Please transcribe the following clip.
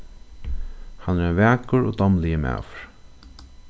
hann er ein vakur og dámligur maður